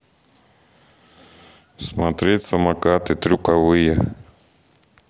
смотреть самокаты трюковые